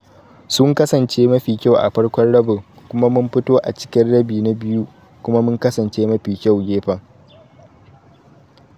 Sun kasance mafi kyau a farkon rabin kuma mun fito a cikin rabi na biyu kuma mun kasance mafi kyau gefen.